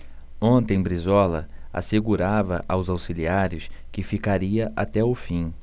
ontem brizola assegurava aos auxiliares que ficaria até o fim